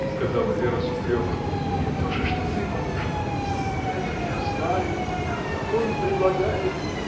— сказала Вера с упреком, — то же, что ты, бабушка! — Это я знаю. Но он предлагает.